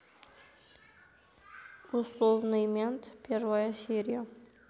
условный мент первая серия